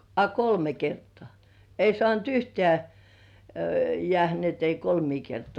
a kolme kertaa ei saanut yhtään jäädä niin että ei kolmea kertaa